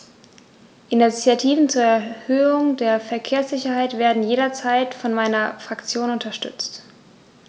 Initiativen zur Erhöhung der Verkehrssicherheit werden jederzeit von meiner Fraktion unterstützt.